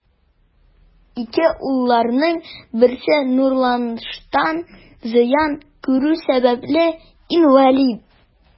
Ике улларының берсе нурланыштан зыян күрү сәбәпле, инвалид.